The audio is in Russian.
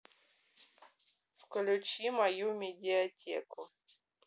включи мою медиатеку